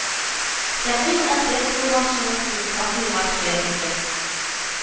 Тәкый ул абдәст кылган суны кузугка коега түгәр ирде